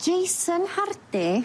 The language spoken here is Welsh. Jason Hardy m-hm,